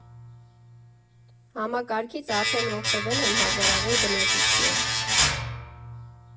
Համակարգից արդեն օգտվել են հազարավոր բնակիչներ։